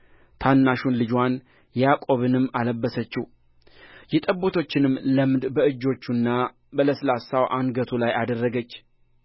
ታናሹን ልጅዋን ያዕቆብንም አለበሰችው የጠቦቶችንም ለምድ በእጆቹና በለስላሳው አንገቱ ላይ አደረገች